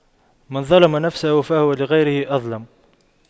من ظَلَمَ نفسه فهو لغيره أظلم